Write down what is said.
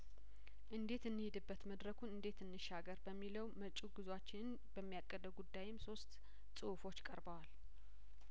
እንዴት እንሂድበት መድረኩን እንዴት እንሻገር በሚለው መጭው ጉዟችንን በሚያቅደው ጉዳይም ሶስት ጽሁፎች ቀርበዋል